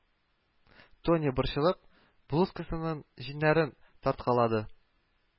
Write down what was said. Тоня, борчылып, блузкасының җиңнәрен тарткалады